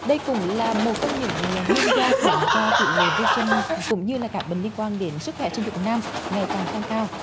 đây cũng là một trong những nguyên do khiến cho tỷ lệ vô sinh cũng như là các bệnh liên quan đến sức khỏe sinh dục nam ngày càng tăng cao